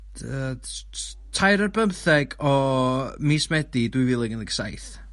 yy ts- ts- tair ar bymtheg o mis Medi dwy fil ag un deg saith.